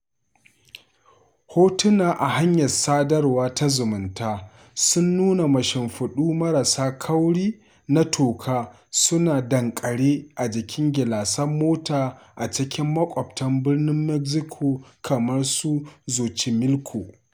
Hotuna a hanyar sadarwa ta zumunta sun nuna mashimfiɗu marasa kauri na toka suna danƙare a jikin gilasan mota a cikin makwaɓtan Birnin Mexico kamar su Xochimilco.